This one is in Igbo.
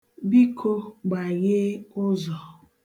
Biko, gbaghee ụzọ.